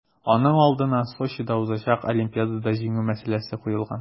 Аның алдына Сочида узачак Олимпиадада җиңү мәсьәләсе куелган.